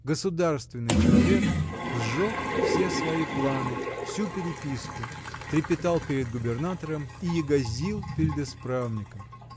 государственный человек -- сжег все свои планы, всю переписку, трепетал перед губернатором и егозил перед исправником